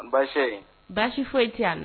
Baasi baasi foyi e tɛa mɛn